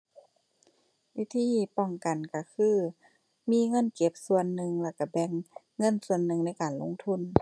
วิธีป้องกันก็คือ มีเงินเก็บส่วนหนึ่ง แล้วก็แบ่งเงินส่วนหนึ่งในการลงทุน